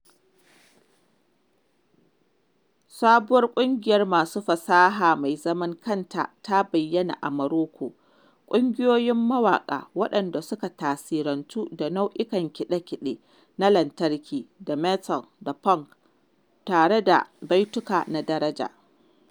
Sabuwar ƙungiyar masu fasaha mai zaman kanta ta bayyana a Maroko, ƙungiyoyin mawaƙa waɗanda suka tasirantu da nau'ikan kiɗe-kiɗe na lantarki da metal da punk tare da baituka na Darija.